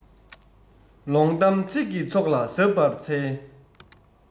ལོང གཏམ ཚིག གི ཚོགས ལ གཟབ པར འཚལ